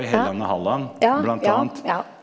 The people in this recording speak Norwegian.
ja ja ja ja.